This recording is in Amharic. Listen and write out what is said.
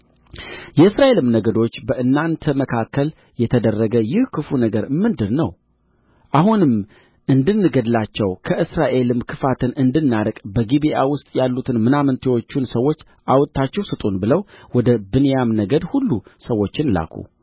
የእስራኤልም ነገዶች በእናንተ መካከል የተደረገ ይህ ክፉ ነገር ምንድር ነው አሁንም እንድንገድላቸው ከእስራኤልም ክፋትን እንድናርቅ በጊብዓ ውስጥ ያሉትን ምናምንቴዎቹን ሰዎች አውጥታችሁ ስጡን ብለው ወደ ብንያም ነገድ ሁሉ ሰዎችን ላኩ